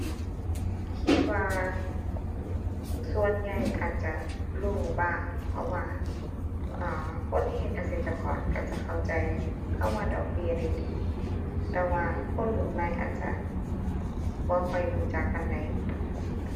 คิดว่าส่วนใหญ่อาจจะรู้บ้าง เพราะว่า เอ่อ คนที่เฮ็ดเกษตรกรก็จะเข้าใจคำว่าดอกเบี้ยได้ดี แต่ว่าคนรุ่นใหม่อาจจะบ่ค่อยรู้จักปานใด